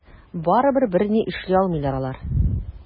Барыбер берни эшли алмыйлар алар.